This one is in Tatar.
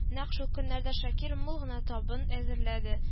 Нәкъ шул көннәрдә Шакир, мул гына табын әзерләде